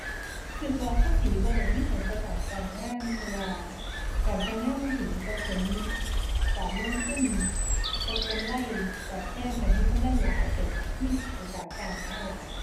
คิดว่าภาษีบ่ได้มีผลต่อการจ้างงาน เพราะว่าการจ้างงานมันขึ้นอยู่กับผลการลงทุนกับกำไรตอบแทน คันมีกำไรหลายคิดมีโอกาสจ้างงานหลาย